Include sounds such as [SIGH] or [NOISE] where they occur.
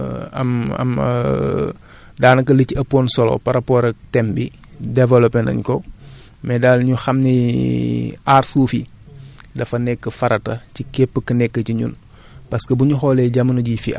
waa mais je pense que xam naa ni [HESITATION] ñu ngi lay gërëm bu baax émission bi moom [HESITATION] am am [HESITATION] daanaka li ci ëppoon solo par rapport ak thème bi développé nañ ko [BREATH] mais daal ñu xam ni [HESITATION] aar suuf yi